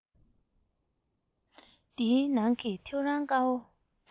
དེའི ནང གི ཐེའུ རང དཀར པོ